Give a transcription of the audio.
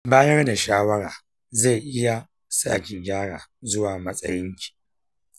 bayar da shawara zai iya sa ki gyara zuwa matsayinki.